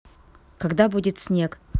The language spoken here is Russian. когда будет снег